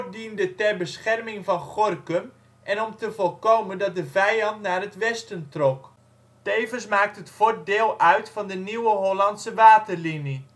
diende ter bescherming van Gorinchem en om te voorkomen dat de vijand naar het westen trok. Tevens maakt het fort deel uit van de Nieuwe Hollandse Waterlinie